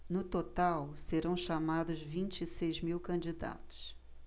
no total serão chamados vinte e seis mil candidatos